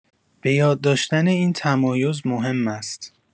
بۀاد داشتن این تمایز مهم است.